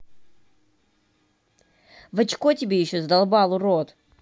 в очко тебе еще задолбал урод